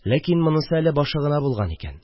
Ләкин монысы әле башы гына булган икән